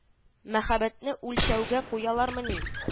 Мәхәббәтне үлчәүгә куялармыни